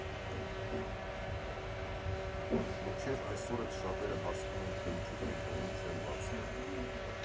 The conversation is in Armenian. Մինչ այսօր էլ շատերը հարցնում են, թե ինչու կենտրոնում չեն բացվել։